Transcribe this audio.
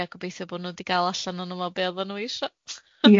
ia gobeithio bo nw di gal allan o'no fo be oddan nw isho.